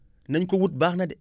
nañu ko wut baax na de